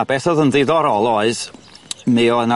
A beth o'dd yn ddiddorol oedd mi o' yna